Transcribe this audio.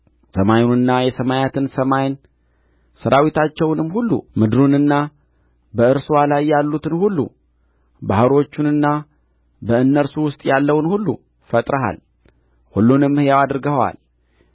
ሰማዩንና የሰማያት ሰማይን ሠራዊታቸውንም ሁሉ ምድሩንና በእርስዋ ላይ ያሉትን ሁሉ ባሕሮቹንና በእነርሱ ውስጥ ያለውን ሁሉ ፈጥረሃል ሁሉንም ሕያው አድርገኸዋል